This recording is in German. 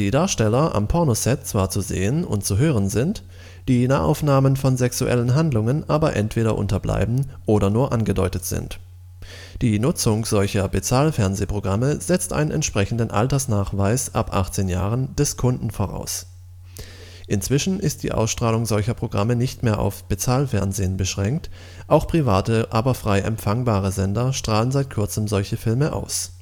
Darsteller am Pornoset zwar zu sehen (und zu hören) sind, die Nahaufnahmen von sexuellen Handlungen aber entweder unterbleiben oder nur angedeutet sind. Die Nutzung solcher Bezahlfernsehprogramme setzt einen entsprechenden Altersnachweis (ab 18 Jahren) des Kunden voraus. Inzwischen ist die Ausstrahlung solcher Programme nicht mehr auf das Bezahlfernsehen beschränkt, auch private aber frei empfangbare Sender strahlen seit kurzem solche Filme aus